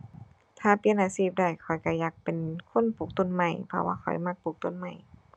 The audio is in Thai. ถ้าเปลี่ยนอาชีพได้ข้อยก็อยากเป็นคนปลูกต้นไม้ เพราะว่าข้อยมักปลูกต้นไม้